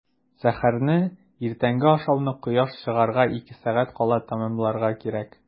Сәхәрне – иртәнге ашауны кояш чыгарга ике сәгать кала тәмамларга кирәк.